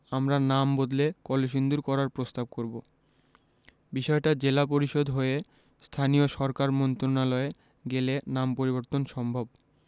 আমরা নাম বদলে কলসিন্দুর করার প্রস্তাব করব বিষয়টা জেলা পরিষদ হয়ে স্থানীয় সরকার মন্ত্রণালয়ে গেলে নাম পরিবর্তন সম্ভব